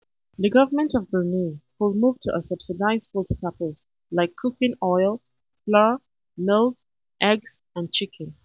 The Government of Brunei could move to subsidize food staples like cooking oil, flour, milk, eggs and chicken.